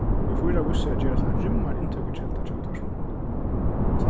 v4 vísti seg at gerast ein rimmar inntøkukelda hjá útvarpinum